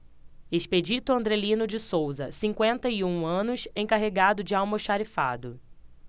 expedito andrelino de souza cinquenta e um anos encarregado de almoxarifado